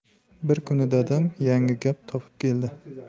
bir kuni dadam yangi gap topib keldi